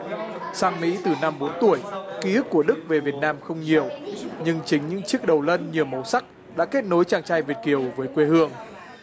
sang mỹ từ năm bốn tuổi ký ức của đức về việt nam không nhiều nhưng chính những chiếc đầu lân nhiều màu sắc đã kết nối chàng trai việt kiều với quê hương